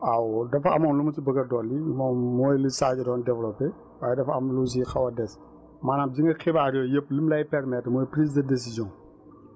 waaw dafa amoon lu ma si bëgg a dolli moom mooy li Sadio doon développer waaye dafa am lu si xaw a des maanaam gis nga xibaar yooyu yépp lum lay permettre mooy prise de décision